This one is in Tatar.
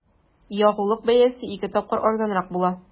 Ягулык бәясе ике тапкыр арзанрак була.